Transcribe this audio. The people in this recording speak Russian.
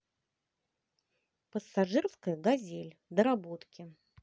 пассажирская газель доработки